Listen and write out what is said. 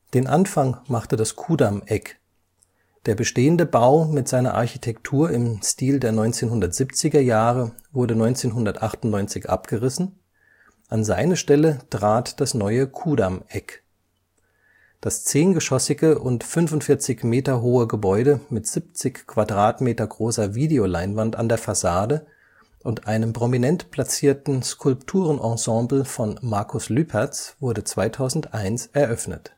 Den Anfang machte das Ku’ damm-Eck. Der bestehende Bau mit seiner Architektur im Stil der 1970er Jahre wurde 1998 abgerissen, an seine Stelle trat das neue Ku’ damm-Eck. Das zehngeschossige und 45 Meter hohe Gebäude mit 70 m² großer Videoleinwand an der Fassade und einem prominent platzierten Skulpturenensemble von Markus Lüpertz wurde 2001 eröffnet